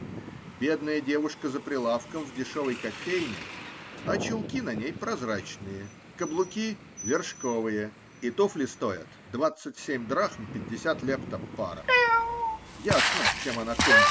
-- Бедная девушка за прилавком в дешевой кофейне -- а чулки на ней прозрачные, каблуки вершковые, и туфли стоят двадцать семь драхм пятьдесят лепта пара. Ясно, чем она кончит.